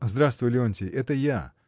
— Здравствуй, Леонтий, — это я!